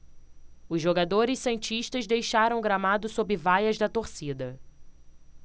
os jogadores santistas deixaram o gramado sob vaias da torcida